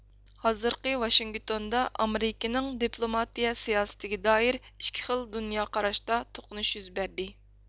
ھازىرقى ۋاشىنگتوندا ئامېرىكىنىڭ دىپلوماتىيە سىياسىتىگە دائىر ئىككى خىل دۇنيا قاراشتا توقۇنۇش يۈز بەردى